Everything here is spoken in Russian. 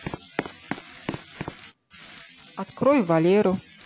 открой валеру